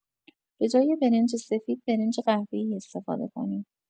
به‌جای برنج سفید، برنج قهوه‌ای استفاده کنید.